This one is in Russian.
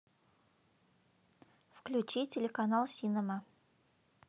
включи телеканал синема